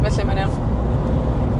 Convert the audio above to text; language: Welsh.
Felly mae'n iawn.